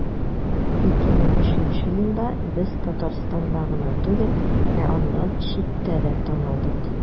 2003 елда без татарстанда гына түгел, ә аннан читтә дә танылдык.